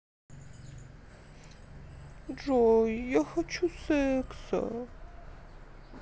джой я хочу секса